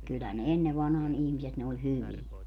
kyllä ne ennen vanhaan ihmiset ne oli hyviä